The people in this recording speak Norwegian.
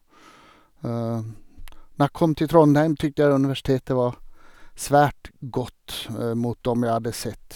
Når jeg kom til Trondheim, tykte jeg at universitetet var svært godt mot dem jeg hadde sett.